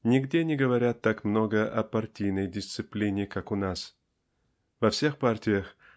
Нигде не говорят так много о партийной дисциплине, как у нас во всех партиях